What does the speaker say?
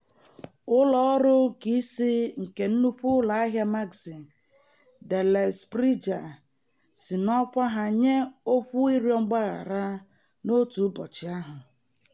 Ụlọ ọrụ keisi nke nnukwu ụlọ ahịa Maxi, Delez Srbija, nyere si n'ọkwa ha nye okwu ịrịọ mgbaghara n'otu ụbọchị ahụ.